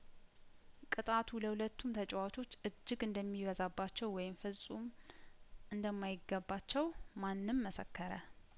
ቅጣቱ ለሁለቱም ተጫዋቾች እጅግ እንደሚበዛባቸው ወይም ፍጹም እንደማይገባቸው ማንም መሰከረ